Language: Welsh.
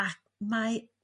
ac mai